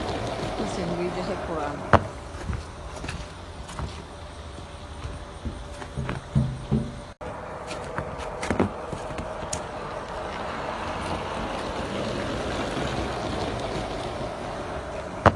Machiin bi joxe kuraa